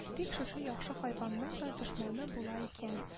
Тик, шушы яхшы хайванның да дошманы була икән